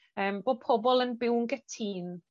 yym bo' pobol yn byw'n gytyn